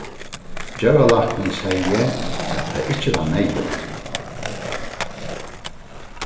djóralæknin segði at tað ikki var neyðugt